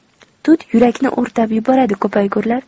tut yurakni o'rtab yuboradi ko'paygurlar